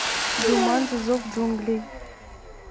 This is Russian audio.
джуманджи зов джунглей